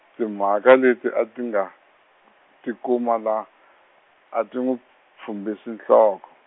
timhaka leti a ti nga, ti kuma la, a ti n'wi pfimbise nhloko.